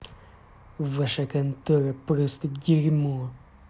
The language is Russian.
ваша контора просто дерьмо